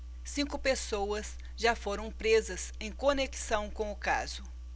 cinco pessoas já foram presas em conexão com o caso